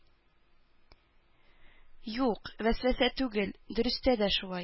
Юк, вәсвәсә түгел, дөрестә дә шулай.